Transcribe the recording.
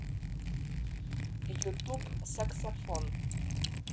ютуб саксофон